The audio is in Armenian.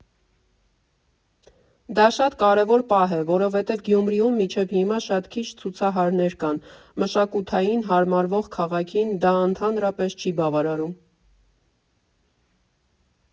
Դա շատ կարևոր պահ է, որովհետև Գյումրիում մինչև հիմա շատ քիչ ցուցասրահներ կան, մշակութային համարվող քաղաքին դա ընդհանրապես չի բավարարում։